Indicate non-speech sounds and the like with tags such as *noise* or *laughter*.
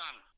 *hesitation*